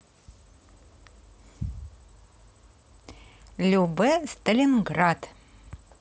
любэ сталинград